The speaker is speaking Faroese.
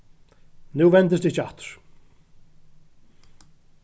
nú vendist ikki aftur